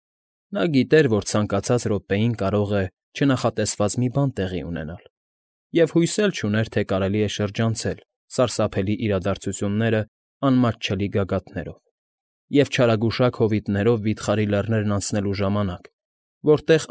Նա գիտեր, որ ցանկացած րոպեին կարող է չնախատեսված մի բան տեղի ունենալ և հույս էլ չուներ, թե կարելի է շրջանցել սարսափելի իրադարձությունները անմատչելի գագաթներով և չարագուշակ հովիտներով վիթխարի լեռներն անցնելու ժամանակ, որտեղ։